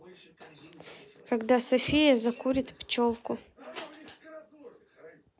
когда софия закурит пчелку